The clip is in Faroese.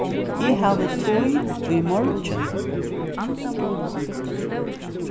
eg havi tíð í morgin